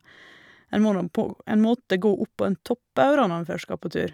En må nå på g en måte gå opp på en topp òg, da, når en først skal på tur.